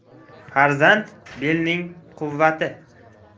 farzand belning quvvati